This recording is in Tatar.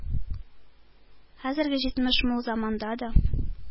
Хәзерге җитеш-мул заманда да,